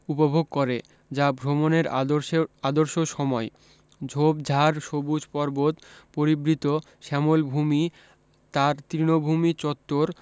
উপভোগ করে যা ভ্রমণের আদর্শ সময় ঝোপ ঝাড় সবুজ পর্বত পরিবৃত শ্যামল ভুমি তার তৃণভূমি চত্বর